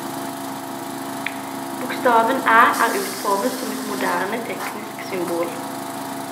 Bokstaven Æ er utformet som et moderne, teknisk symbol.